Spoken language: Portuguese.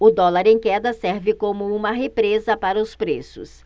o dólar em queda serve como uma represa para os preços